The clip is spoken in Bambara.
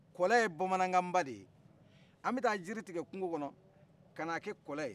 kɔlɛ ye bamanankan ba de ye an bi taa jiri tigɛ kungo kɔnɔ kana kɛ kɔlɛ ye